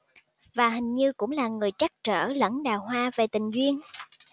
và hình như cũng là người trắc trở lẫn đào hoa về tình duyên